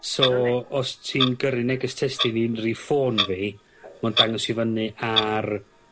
So os ti'n gyrru neges testun i'n rhif ffôn fi ma' o'n dangos i fynny ar